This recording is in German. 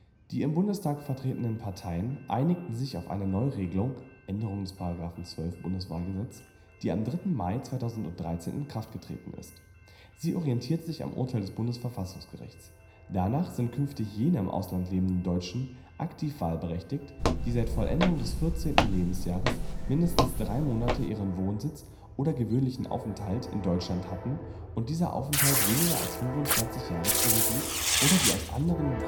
Die im Bundestag vertretenen Parteien einigten sich auf eine Neuregelung (Änderung des § 12 BWahlG), die am 3. Mai 2013 in Kraft getreten ist. Sie orientiert sich am Urteil des Bundesverfassungsgerichts. Danach sind künftig jene im Ausland lebende Deutsche aktiv wahlberechtigt, die seit Vollendung ihres 14. Lebensjahres mindestens drei Monate ihren Wohnsitz oder gewöhnlichen Aufenthalt in Deutschland hatten und dieser Aufenthalt weniger 25 Jahre zurückliegt oder die „ aus anderen